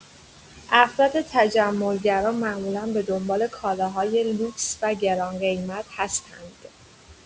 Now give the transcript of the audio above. افراد تجمل‌گرا معمولا به دنبال کالاهای لوکس و گران‌قیمت هستند.